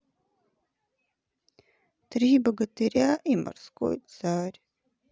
три богатыря и морской царь